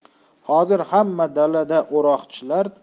hozir ham dalada o'roqchilar